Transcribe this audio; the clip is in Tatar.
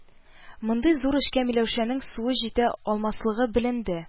Мондый зур эшкә Миләүшәнең суы җитә алмас-лыгы беленде